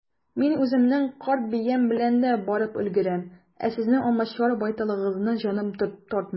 Мин үземнең карт биям белән дә барып өлгерәм, ә сезнең алмачуар байталыгызны җаным тартмый.